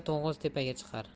to'ng'iz tepaga chiqar